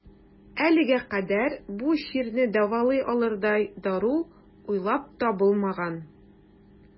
Әлегә кадәр бу чирне дәвалый алырдай дару уйлап табылмаган.